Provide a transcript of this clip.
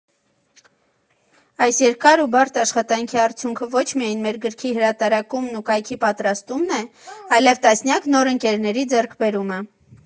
Այս երկար ու բարդ աշխատանքի արդյունքը ոչ միայն մեր գրքի հրատարակումն ու կայքի պատրաստումն է, այլև տասնյակ նոր ընկերների ձեռքբերումը։